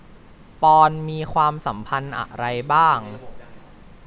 ปอนด์มีความสัมพันธ์อะไรบ้าง